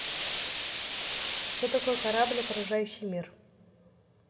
что такое корабль окружающий мир